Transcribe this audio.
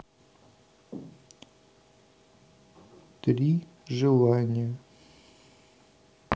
три желания